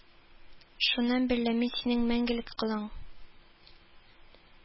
Шуннан бирле мин синең мәңгелек колың